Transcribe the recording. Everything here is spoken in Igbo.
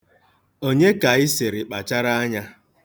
Onye ka ị sịrị kpachara anya?